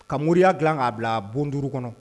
Ka moriya dilan k'a bila bon duuru kɔnɔ